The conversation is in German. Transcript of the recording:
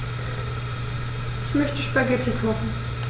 Ich möchte Spaghetti kochen.